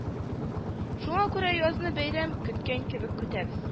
Шуңа күрә язны бәйрәм көткән кебек көтәбез